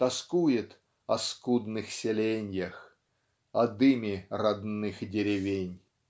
Тоскует о скудных селеньях О дыме родных деревень.